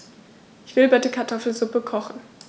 Ich will bitte Kartoffelsuppe kochen.